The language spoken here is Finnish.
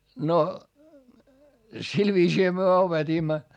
no sillä viisiinhän me opetimme